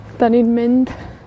'Dan ni'n mynd